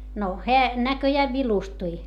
no hän näköjään vilustui